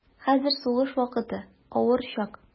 Хәзер сугыш вакыты, авыр чак.